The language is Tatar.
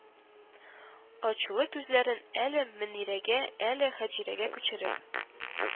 Ачулы күзләрен әле мөнирәгә, әле һаҗәргә күчереп: